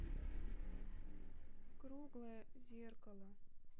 круглое зеркало